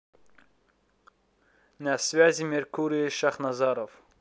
на связи меркурий шахназаров